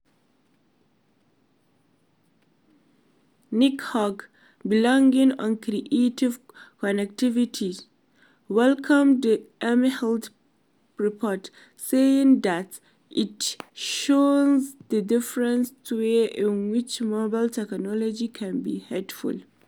Nick Hunn, blogging on Creative Connectivity, welcomes the mHealth report, saying that it shows the different ways in which mobile technology can be helpful.